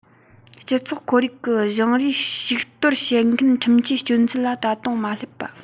སྤྱི ཚོགས ཁོར ཡུག གི བཞེངས རིས བཤིག གཏོར བྱེད མཁན ཁྲིམས ཆད གཅོད ཚད ལ ད དུང མ སླེབས པ